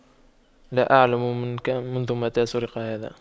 لا أعلم منك منذ متى سرق هذا